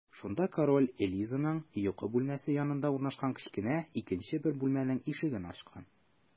Шунда король Элизаның йокы бүлмәсе янында урнашкан кечкенә икенче бер бүлмәнең ишеген ачкан.